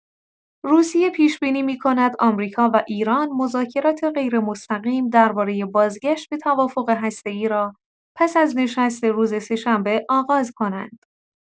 روسیه پیش‌بینی می‌کند آمریکا و ایران مذاکرات غیرمستقیم درباره بازگشت به توافق هسته‌ای را پس از نشست روز سه‌شنبه آغاز کنند.